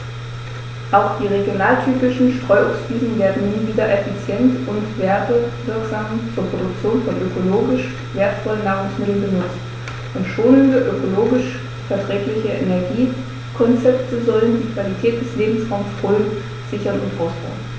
Auch die regionaltypischen Streuobstwiesen werden nun wieder effizient und werbewirksam zur Produktion von ökologisch wertvollen Nahrungsmitteln genutzt, und schonende, ökologisch verträgliche Energiekonzepte sollen die Qualität des Lebensraumes Rhön sichern und ausbauen.